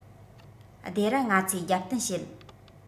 སྡེ ར ང ཚོས རྒྱབ རྟེན བྱེད